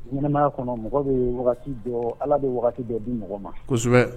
Ɲɛnɛmaya kɔnɔ mɔgɔ be wagati dɔ, Ala be wagati dɔ di mɔgɔ ma kosɛbɛ